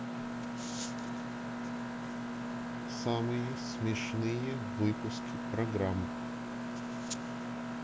самые смешные выпуски программ